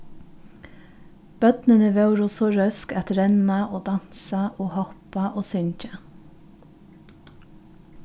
børnini vóru so røsk at renna og dansa og hoppa og syngja